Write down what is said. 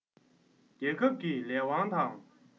རྒྱལ ཁབ ཀྱི ལས དབང དང